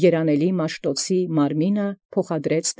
Երանելոյն Մաշթոցի, ի հանգիստ խորանին փոխէր։